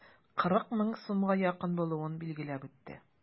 40 мең сумга якын булуын билгеләп үтте.